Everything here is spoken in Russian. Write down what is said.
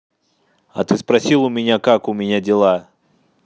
а ты спросил у меня как у меня дела